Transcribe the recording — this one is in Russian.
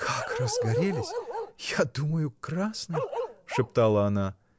— Как разгорелись, я думаю, красные! — шептала она.